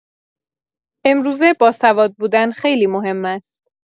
امروزه باسواد بودن خیلی مهم است